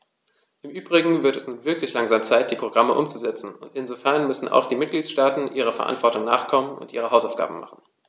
Im übrigen wird es nun wirklich langsam Zeit, die Programme umzusetzen, und insofern müssen auch die Mitgliedstaaten ihrer Verantwortung nachkommen und ihre Hausaufgaben machen.